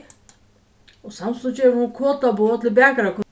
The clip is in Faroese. og samstundis gevur hon kodað boð til bakarakonuna